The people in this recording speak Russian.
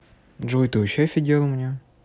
джой ты вообще офигел мне